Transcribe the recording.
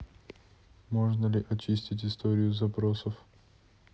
можно ли очистить историю запросов